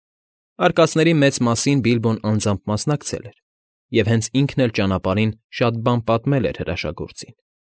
Արկածների մեծ մասին Բիլբոն անձամբ մասնակցել էր, և հենց ինքն էլ ճանապարհին շատ բան էր պատմել հրաշագործին։